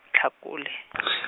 Tlhakole .